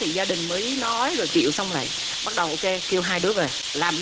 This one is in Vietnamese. thì gia đình mới nói rồi chịu xong lại bắt đầu ô kê kêu hai đứa về làm